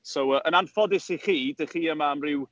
So yy, yn anffodus i chi, 'dach chi yma am ryw...